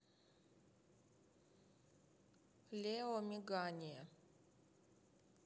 лео мигание